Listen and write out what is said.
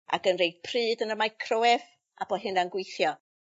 Ag yn rhoi pryd yn y microwêf, a bo' hynna'n gweithio?